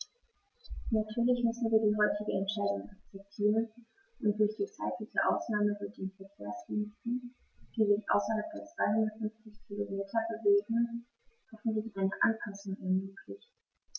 Natürlich müssen wir die heutige Entscheidung akzeptieren, und durch die zeitliche Ausnahme wird den Verkehrsdiensten, die sich außerhalb der 250 Kilometer bewegen, hoffentlich eine Anpassung ermöglicht.